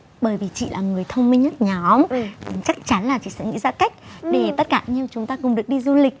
bởi vì chị là người thông minh nhất nhóm nên chắc chắn là chị sẽ nghĩ ra cách để tất cả anh em chúng ta cùng được đi du lịch